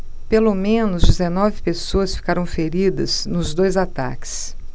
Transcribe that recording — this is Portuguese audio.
pelo menos dezenove pessoas ficaram feridas nos dois ataques